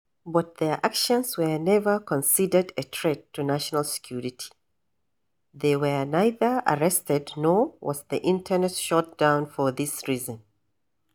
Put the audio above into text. But their actions were never considered a threat to national security; they were neither arrested nor was the internet shut down for this reason.